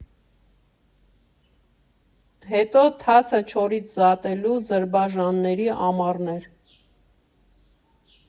Հետո թացը չորից զատելու, ջրբաժանների ամառն էր.